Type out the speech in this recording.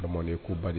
Ba ye ko ba ye